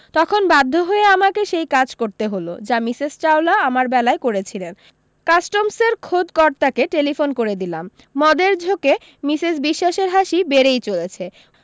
তখন বাধ্য হয়ে আমাকে সেই কাজ করতে হলো যা মিসেস চাওলা আমার বেলায় করেছিলেন কাস্টমসের খোদ কর্তাকে টেলিফোন করে দিলাম মদের ঝোঁকে মিসেস বিশ্বাসের হাসি বেড়ই চলেছে